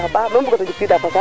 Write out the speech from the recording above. axa kay a ɗenga taxar ke